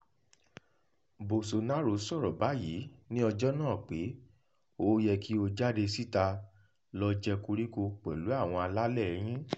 Bolsonaro sọ̀rọ̀ báyìí ní ọjọ́ náà pé "ó yẹ kí o jáde síta láti lọ jẹ koríko pẹ̀lú àwọn alálẹ̀ẹ yín".